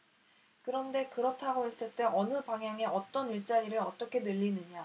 그런데 그렇다고 했을 때 어느 방향의 어떤 일자리를 어떻게 늘리느냐